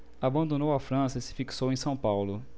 abandonou a frança e se fixou em são paulo